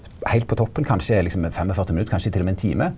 heilt på toppen kanskje liksom ein fem og 40 minutt kanskje t.o.m. ein time.